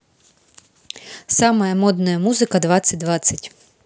самая модная музыка двадцать двадцать